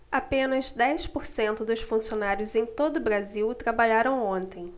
apenas dez por cento dos funcionários em todo brasil trabalharam ontem